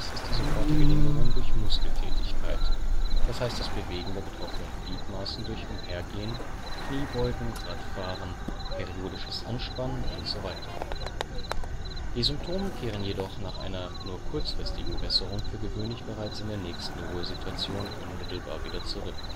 ist die sofortige Linderung durch Muskeltätigkeit, d.h. das Bewegen der betroffenen Gliedmaßen durch Umhergehen, Kniebeugen, Radfahren, periodisches Anspannen usw. Die Symptome kehren jedoch nach einer nur kurzfristigen Besserung für gewöhnlich bereits in der nächsten Ruhesituation unmittelbar wieder zurück